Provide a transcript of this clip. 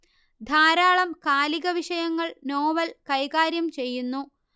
ധാരാളം കാലിക വിഷയങ്ങൾ നോവൽ കൈകാര്യം ചെയ്യുന്നു